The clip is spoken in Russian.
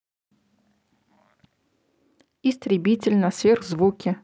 истребитель на сверхзвуке